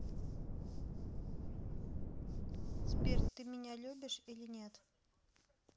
сбер ты меня любишь или нет